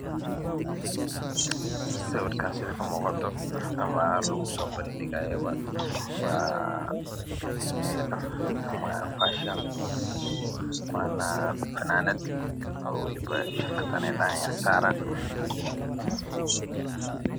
Sawirkan sidamuqataba amalagusobandhigayaba waadhar amafashiyonwana fananad oweliba shirkadan aydhahayan sara